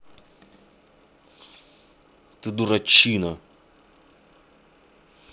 ты дурачина